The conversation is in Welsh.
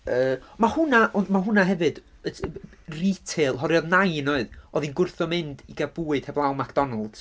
Yy ma' hwnna, ond ma' hwnna hefyd, retail, herwydd oedd nain oedd, oedd hi'n gwrthod mynd i gael bwyd heblaw o MacDonalds.